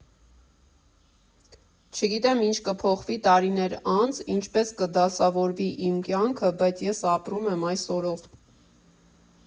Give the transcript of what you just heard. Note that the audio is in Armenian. Չգիտեմ՝ ինչ կփոխվի տարիներ անց, ինչպես կդասավորվի իմ կյանքը, բայց ես ապրում եմ այս օրով։